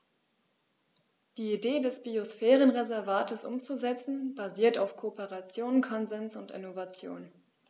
Die Idee des Biosphärenreservates umzusetzen, basiert auf Kooperation, Konsens und Innovation.